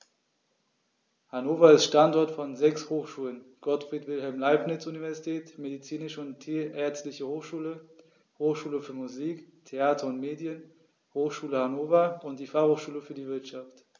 Hannover ist Standort von sechs Hochschulen: Gottfried Wilhelm Leibniz Universität, Medizinische und Tierärztliche Hochschule, Hochschule für Musik, Theater und Medien, Hochschule Hannover und die Fachhochschule für die Wirtschaft.